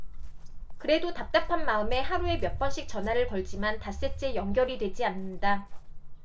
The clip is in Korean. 그래도 답답한 마음에 하루에 몇 번씩 전화를 걸지만 닷새째 연결이 되지 않는다